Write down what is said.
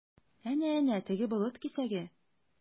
Әнә-әнә, теге болыт кисәге?